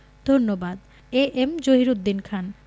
ধন্যবাদ A M Zahiruddin Khan